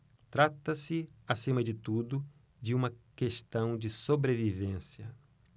trata-se acima de tudo de uma questão de sobrevivência